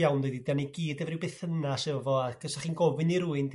iawn didi 'dan ni gyd efo ryw be'thynas efo fo ac os o'ch chi'n gofyn i rywun